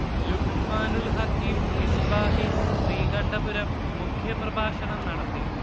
ലുഖ്മാനുൽ ഹക്കീം മിസ്ബാഹി ശ്രീകണ്ഠപുരം മുഖ്യ പ്രഭാഷണം നടത്തി